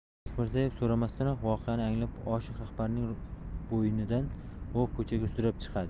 bekmirzaev so'ramasdanoq voqeani anglab oshiq rahbarning bo'ynidan bo'g'ib ko'chaga sudrab chiqadi